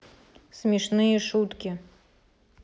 смешные шутки